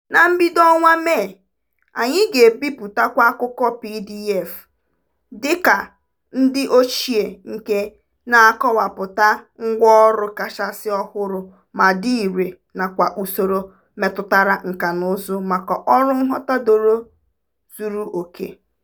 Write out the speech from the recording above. Ná mbido ọnwa Mee, anyị ga-ebipụtakwa akụkọ PDF dịka ndị ochie nke na-akọwapụta ngwáọrụ kachasị ọhụrụ ma dị irè nakwa usoro metụtara nkànaụzụ maka ọrụ nghọta doro zuru oke.